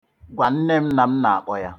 Gwa nne m nà m nà-àkpọ yà.